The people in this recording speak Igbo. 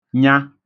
nya